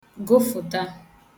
gụfụ̀ta